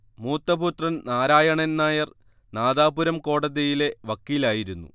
മൂത്ത പുത്രൻ നാരായണൻ നായർ നാദാപുരം കോടതിയിലെ വക്കീലായിരുന്നു